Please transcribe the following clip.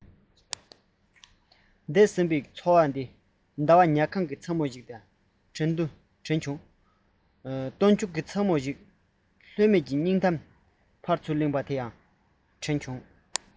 འདས ཟིན པའི འཚོ བའི ཁྲོད ཟླ བ ཉ གང བའི མཚན མོ ཞིག དྲན བྱུང སྟོན མཇུག གི མཚན མོ ཞིག ལྷད མེད ཀྱི སྙིང གཏམ བསིལ རླུང ལ བཅོལ ཅིང འགྱུར མེད ཀྱི བརྩེ བ ཟླ གུར ལ འཐིམས ཏེ